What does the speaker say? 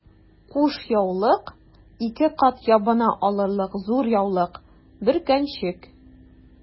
Кушъяулык— ике кат ябына алырлык зур яулык, бөркәнчек...